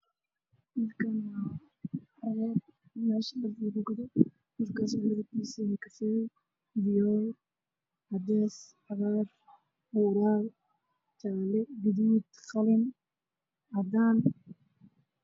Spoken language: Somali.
Meeshaan waxaa fadhiyo nin wato cimaamad iyo shaati midab kiisa yahay madow iyo macawuus gaduud ag waxa uu dhabta ku heystaa waxa ay ku jiraan qoryo